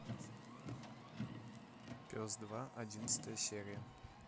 пес два одиннадцатая серия